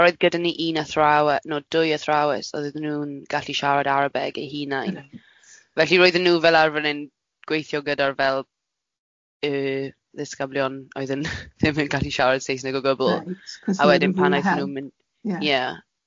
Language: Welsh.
A roedd gyda ni un athrawes no, dwy athrawes roedden nhw'n gallu siarad Arabeg eu hunain. Reit. Felly roedden nhw fel arfer yn gweithio gyda'r fel y ddisgyblion oedd yn ddim yn gallu siarad Saesneg o gwbl... Reit. ...a wedyn pan wnaethon nhw mynd ie.